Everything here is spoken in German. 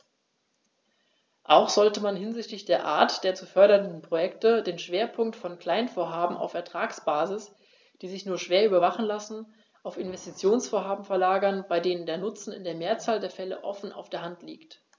Auch sollte man hinsichtlich der Art der zu fördernden Projekte den Schwerpunkt von Kleinvorhaben auf Ertragsbasis, die sich nur schwer überwachen lassen, auf Investitionsvorhaben verlagern, bei denen der Nutzen in der Mehrzahl der Fälle offen auf der Hand liegt.